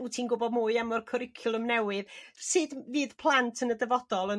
wyt ti'n gwbod mwy am yr cwricwlwm newydd sut fydd plant yn y dyfodol yn